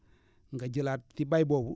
nga jëlaat ci bay boobu